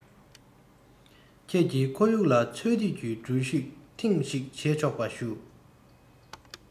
ཁྱེད ཀྱི ཁོར ཡུག ལ འཚོལ སྡུད ཀྱི འགྲུལ བཞུད ཐེངས ཤིག བྱེད ཆོག པར ཞུ